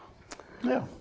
ja.